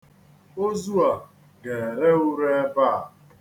Ozu a ga-ere ure ebe a.